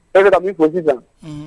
E bɛna min ko sisan